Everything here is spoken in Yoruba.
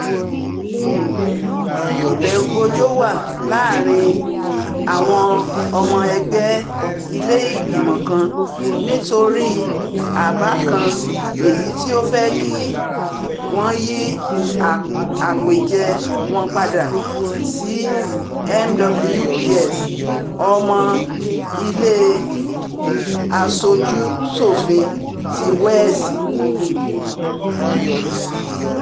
Ìbẹ̀rù-bojo wà láàárin àwọn ϙmϙ ẹgbẹ́ ilé ìgbìmọ̀ kan nítorí àbá kan èyití ó fẹ́ kí wọ́n yí àpèjẹ wọn padà sí MWPs (Ọmọ Ilé Aṣojú-ṣòfin ti Welsh)